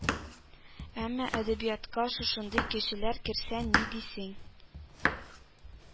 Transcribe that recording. Әмма әдәбиятка шушындый кешеләр керсә ни дисең